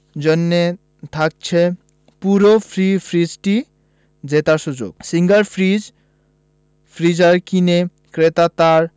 জন্য থাকছে পুরো ফ্রি ফ্রিজটি জেতার সুযোগ সিঙ্গার ফ্রিজ ফ্রিজার কিনে ক্রেতা তার